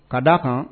Ka d'a kan